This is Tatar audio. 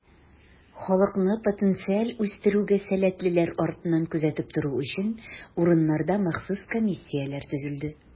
Халыкны потенциаль үстерүгә сәләтлеләр артыннан күзәтеп тору өчен, урыннарда махсус комиссияләр төзелде.